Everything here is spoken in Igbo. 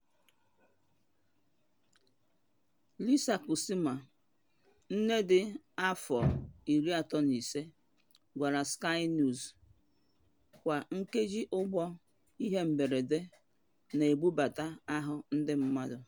Risa Kusuma, nne dị afọ 35, gwara Sky News: “Kwa nkeji ụgbọ ihe mberede na ebubata ahụ ndị mmadụ.